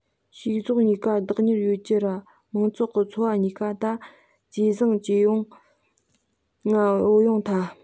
ཕྱུགས ཟོག ག བདག གཉེར ཡེད རྒྱུའོ ར མང ཚོགས གི འཚོ བ གཉིས ཀ ད ཇེ བཟང ཇེ བང ང བུད ཡོང ཐལ